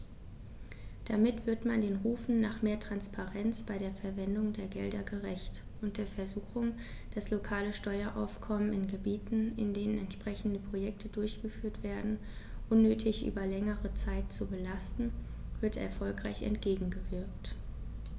Damit wird man den Rufen nach mehr Transparenz bei der Verwendung der Gelder gerecht, und der Versuchung, das lokale Steueraufkommen in Gebieten, in denen entsprechende Projekte durchgeführt werden, unnötig über längere Zeit zu belasten, wird erfolgreich entgegengewirkt.